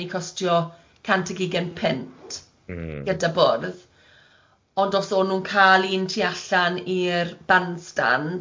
mynd i costio cant ag ugain punt mm gyda bwrdd, ond os o'n nhw'n cael un tu allan i'r bandstand.